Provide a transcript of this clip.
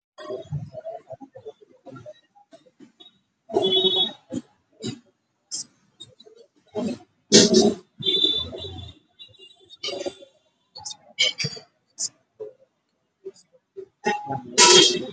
Waa dad meel maqaayada joogo oo cabitaan iyo wax cabaayo